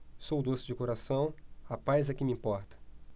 sou doce de coração a paz é que me importa